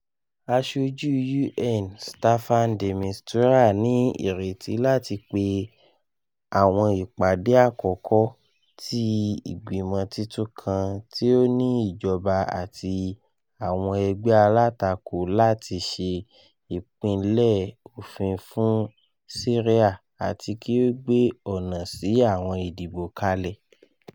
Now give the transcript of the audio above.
Aṣoju UN Staffan de Mistura ni ireti lati pe awọn ipade akọkọ ti igbimọ tuntun kan ti o ni ijọba ati awọn ẹgbẹ alatako lati ṣe ipinlẹ ofin fun Siria ati ki o gbe ọna si awọn idibo kalẹ.